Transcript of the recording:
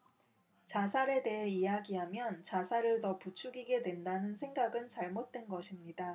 자살에 대해 이야기하면 자살을 더 부추기게 된다는 생각은 잘못된 것입니다